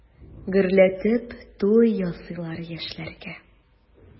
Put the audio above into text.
Гөрләтеп туй ясыйлар яшьләргә.